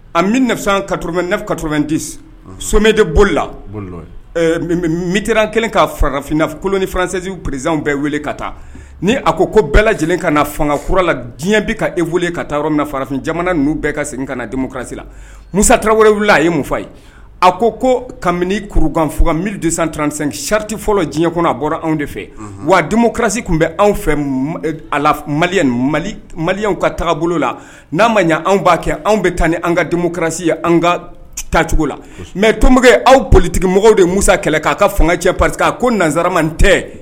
A miftomɛti somɛ de bolila mitraran kelen ka farafininakolon ni faransensi presizw bɛɛ wele ka taa ni a ko ko bɛɛ lajɛlen ka na fanga kura la diɲɛ bɛ kae wuli ka taa yɔrɔ minna na farafin jamana n'u bɛɛ ka segin ka na denmusomusi la musa tarawele wulila a ye mufa ye a ko ko kabini kurukanfug midsan transan sariti fɔlɔ diɲɛ kɔnɔ'a bɔra anw de fɛ wa diumu kɛrasi tun bɛ anw fɛ a mali mali ka taga bolo la n'a ma ɲɛan b'a kɛ anw bɛ taa ni an ka denmusomu kɛrasi ye an ka tacogo la mɛ tomɔ ye aw politigimɔgɔw de musa kɛlɛ k'a ka fanga cɛ pari a ko nanzsarama tɛ